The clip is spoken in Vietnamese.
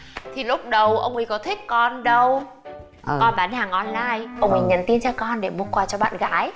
thì lúc đầu ông ý có thích con đâu con bán hàng on lai ông ý nhắn tin cho con để mua quà cho bạn gái